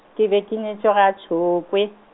ke be ke nyetšwe ga Tlokwe.